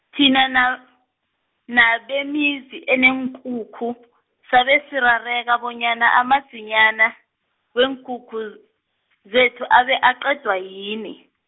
thina na-, nabemizi eneenkukhu , sabe sirareka bonyana amadzinyani, weenkukhu, zethu, abe aqedwa yini.